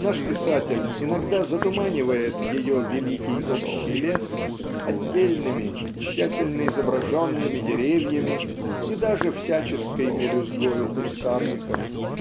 наш писатель иногда затуманивает ее великий общий лес отдельными тщательно изображенными деревьями и даже всяческой мелюзгою кустарников.